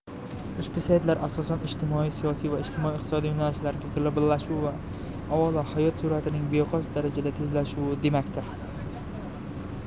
ushbu saytlar asosan ijtimoiy siyosiy va ijtimoiy iqtisodiy yo'nalishlarga globallashuv bu avvalo hayot sur'atining beqiyos darajada tezlashuvi demakdir